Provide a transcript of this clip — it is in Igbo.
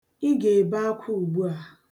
Ị ga-ebe akwa ugbu a.